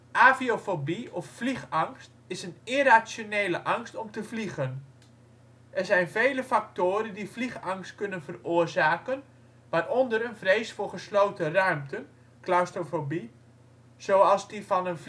Aviofobie of vliegangst is een irrationele angst om te vliegen. Er zijn vele factoren die vliegangst kunnen veroorzaken, waaronder een vrees voor gesloten ruimten (claustrofobie), zoals die van een